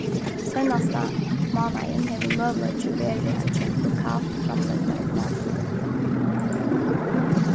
seinasta mánaðin hevur møguleiki verið at keypt lokalt framleiddar matvørur